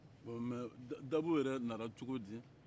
ɔ mɛ dabɔ nana cogo di